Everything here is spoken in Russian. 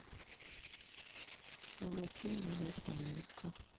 негативный лес амелька